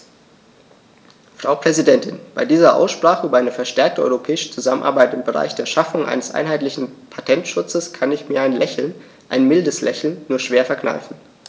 Frau Präsidentin, bei dieser Aussprache über eine verstärkte europäische Zusammenarbeit im Bereich der Schaffung eines einheitlichen Patentschutzes kann ich mir ein Lächeln - ein mildes Lächeln - nur schwer verkneifen.